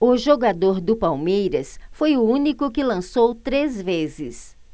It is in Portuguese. o jogador do palmeiras foi o único que lançou três vezes